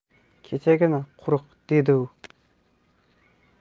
kechagina quruq edi dedi u